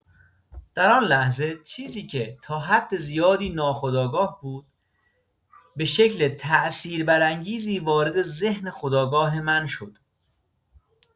در آن لحظه، چیزی که تا حد زیادی ناخودآگاه بود به شکل تاثیربرانگیزی وارد ذهن خودآگاه من شد.